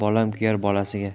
bolam kuyar bolasiga